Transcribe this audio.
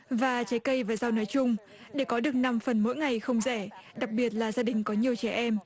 và trái cây và rau nói chung để có được nằm phần mỗi ngày không rẻ đặc biệt là gia đình có nhiều trẻ em